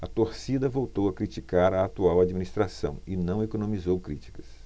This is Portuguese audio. a torcida voltou a criticar a atual administração e não economizou críticas